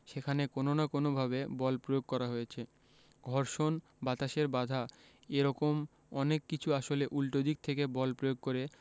সেখানে কোনো না কোনোভাবে বল প্রয়োগ করা হয়েছে ঘর্ষণ বাতাসের বাধা এ রকম অনেক কিছু আসলে উল্টো দিক থেকে বল প্রয়োগ করে